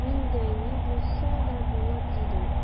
Мин дә: «Ни булса да булыр»,— дидем.